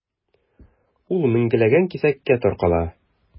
Ул меңләгән кисәккә таркала.